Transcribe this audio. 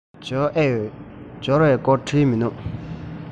འབྱོར ཨེ ཡོད འབྱོར བའི སྐོར བྲིས མི འདུག